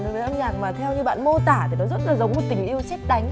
với âm nhạc mà theo như bạn mô tả thì nó rất là giống một tình yêu sét đánh